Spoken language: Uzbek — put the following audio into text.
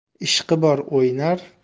ishqi bor o'ynar